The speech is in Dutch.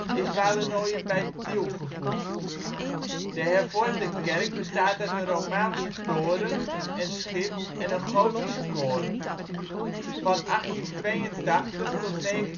is Wadenoijen bij Tiel gevoegd. Wadenoijen: hervormde kerk De hervormde kerk bestaat uit een romaanse toren en schip en een gotisch koor. Van 1882 tot 1950